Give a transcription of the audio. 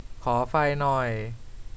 ขอไฟหน่อย